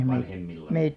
vanhemmillanne